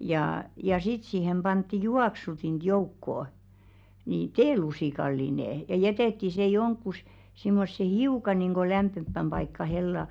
ja sitten siihen pantiin juoksutinta joukkoon niin teelusikallinen ja jätettiin se johonkin semmoiseen hiukan niin kuin lämpimämpään paikkaan hellan